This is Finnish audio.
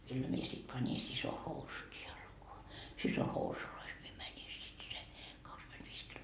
kyllä minä sitten panin siskon housut jalkaan siskon housuissa minä menin sitten sen kaksikymmentäviisi -